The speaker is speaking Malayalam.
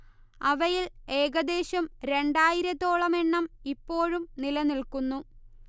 അവയിൽ ഏകദ്ദേശം രണ്ടായിരത്തോളം എണ്ണം ഇപ്പോഴും നിലനിൽക്കുന്നു